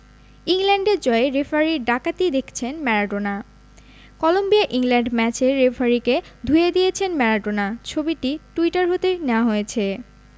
ইংল্যান্ডের জয়ে রেফারির ডাকাতি দেখছেন ম্যারাডোনা কলম্বিয়া ইংল্যান্ড ম্যাচের রেফারিকে ধুয়ে দিয়েছেন ম্যারাডোনা ছবিটি টুইটার হতে নেয়া হয়েছে